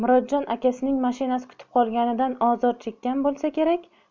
murodjon akasining mashinasi kutib qolganidan ozor chekkan bo'lsa kerak